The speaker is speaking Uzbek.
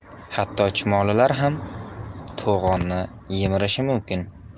hatto chumolilar ham to'g'onni yemirishi mumkin